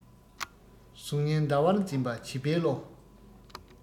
གཟུགས བརྙན ཟླ བར འཛིན པ བྱིས པའི བློ